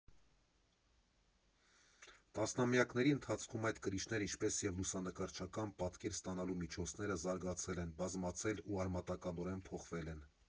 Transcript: Տասնամյակների ընթացքում այդ կրիչները, ինչպես և լուսանկարչական պատկեր ստանալու միջոցները զարգացել են, բազմացել ու արմատականորեն փոխվել են։